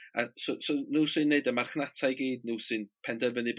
A so so nw sy'n neud y marchnata i gyd nw sy'n penderfynu